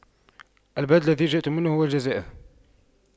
البلد الذي جئت منه هو الجزائر